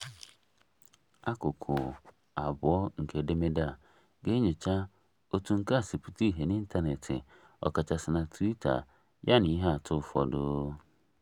Akụkụ II nke edemede a ga-enyocha otú nke a si pụta ihe n'ịntaneetị, ọkachasị na Twitter, yana ihe atụ ụfọdụ.